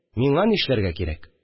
Миңа нишләргә кирәк